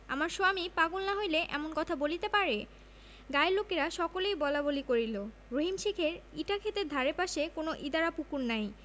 আমার সোয়ামী পাগল না হইলে এমন কথা বলিতে পারে গায়ের লোকেরা সকলেই বলাবলি করিল রহিম শেখের ইটাক্ষেতের ধারে পাশে কোনো ইদারা পুকুর নাই